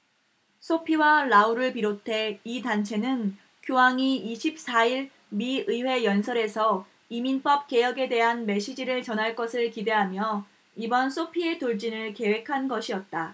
소피와 라울을 비롯해 이 단체는 교황이 이십 사 일 미 의회 연설에서 이민법 개혁에 대한 메시지를 전할 것을 기대하며 이번 소피의 돌진을 계획한 것이었다